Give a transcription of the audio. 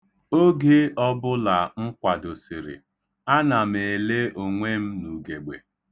Oge ọbụla m kwadosịrị, ana m ele onwe m n'ugegbe.